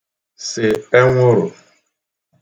sè enwụrụ̀